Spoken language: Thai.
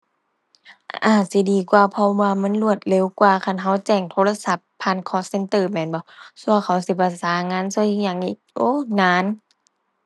อาจสิดีกว่า เพราะว่ามันรวดเร็วกว่าคันเราแจ้งโทรศัพท์ผ่าน call center แม่นบ่ สั่วเขาสิประสานงาน สั่วสิหยังอีก โอ้ นาน